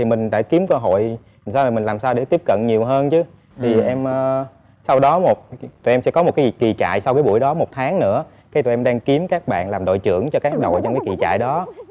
mình đã kiếm cơ hội để mình làm sao để tiếp cận nhiều hơn chứ thì em a sau đó một tụi em sẽ có một cái trí tại sau cái buổi đó một tháng nữa khi tụi em đang kiếm các bạn làm đội trưởng cho các đội trong trại đó